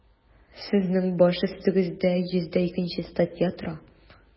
Сезнең баш өстегездә 102 нче статья тора.